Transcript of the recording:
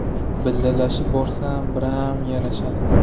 billalashib borsam biram yarashadi